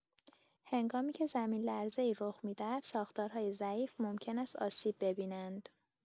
هنگامی‌که زمین‌لرزه‌ای رخ می‌دهد، ساختارهای ضعیف ممکن است آسیب ببینند.